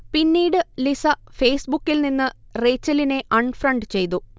പിന്നീട് ലിസ ഫേസ്ബുക്കിൽനിന്ന് റേച്ചലിനെ അൺഫ്രണ്ട് ചെയ്തു